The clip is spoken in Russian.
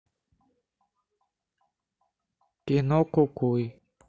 кино кукуй